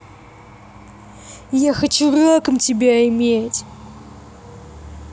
я хочу раком тебя иметь